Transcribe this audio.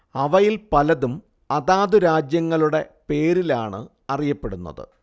അവയിൽ പലതും അതാതു രാജ്യങ്ങളുടെ പേരിലാണ് അറിയപ്പെടുന്നത്